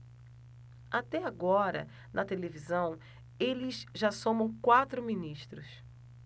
até agora na televisão eles já somam quatro ministros